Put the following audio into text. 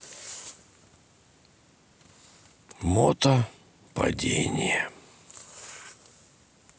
мото падения